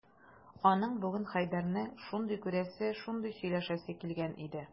Аның бүген Хәйдәрне шундый күрәсе, шундый сөйләшәсе килгән иде...